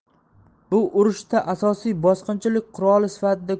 bu urushda asosiy bosqinchilik quroli siftida